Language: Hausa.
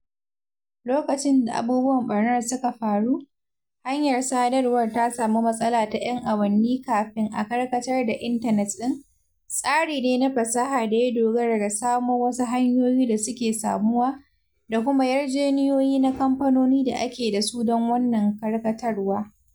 Lokacin da abubuwan ɓarnar suka faru, hanyar sadarwar ta samu matsala ta 'yan awanni kafin a karkatar da intanet ɗin, tsari ne na fasaha da ya dogara ga samo wasu hanyoyi da suke samuwa, da kuma yarjejeniyoyi na kamfanoni da ake dasu don wannan karkatarwa.